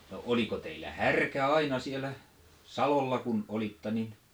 no oliko teillä härkä aina siellä salolla kun olitte niin